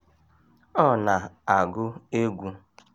Ọ na-agụ egwu: